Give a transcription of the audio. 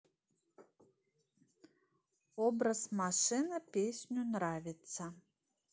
образ машина песню нравится